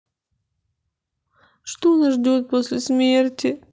что нас ждет после смерти